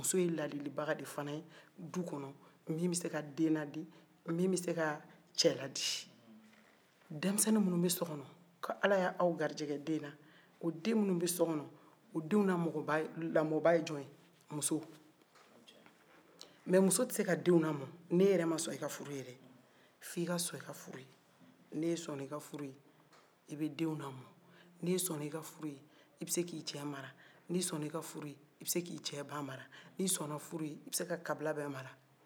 muso ye ladilibaga de fana ye du kɔnɔ min bɛ se ka denw ladim min bɛ se ka cɛ ladi denmisɛni minnu bɛ so kɔnɔ ko ala y'a garijigɛ den na o denw na lamɔba ye jon ye muso mɛ muso tɛ se ka denw lamɔ n'e yɛrɛ man sɔn e ka furu ye dɛ f'i ka sɔn i ka furu ye n'e sɔnnan e ka furu ye e bɛ denw lamɔ ne sɔnna e ka furu ye e bɛ se k'i cɛ mara n'i sɔnna i ka furu ye i bɛ se ka i cɛ ba mara n'i sɔnna furu ye i bɛ se ka kabila bɛɛ mara